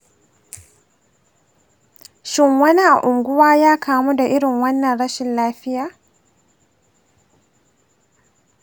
shin wani a unguwa ya kamu da irin wannan rashin lafiya?